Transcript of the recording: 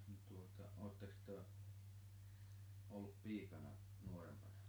no tuota olettekos te ollut piikana nuorempana